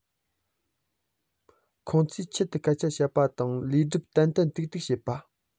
ཁོང ཚོའི ཆེད དུ སྐད ཆ བཤད པ དང ལས སྒྲུབ ཏན ཏན ཏིག ཏིག བྱེད པ